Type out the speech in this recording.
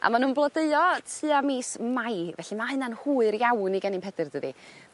A ma' nw'n blodeuo tua mis Mai felly ma' hynna'n hwyr iawn i gennin Pedyr dydi?